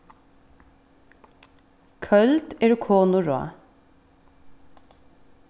køld eru konuráð